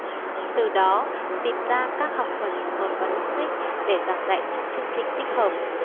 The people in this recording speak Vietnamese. từ đó tìm ra các học phần phù hợp và logic để giảng dạy trong chương trình tích hợp